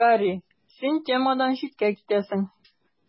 Гарри: Син темадан читкә китәсең.